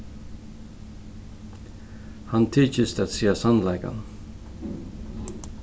hann tykist at siga sannleikan